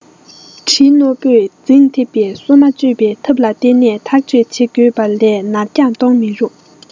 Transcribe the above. གྲི རྣོ པོས འཛིང ཐེབས པའི སོ མ གཅོད པའི ཐབས ལ བརྟེན ནས ཐག གཅོད བྱེད དགོས པ ལས ནར འགྱངས གཏོང མི རུང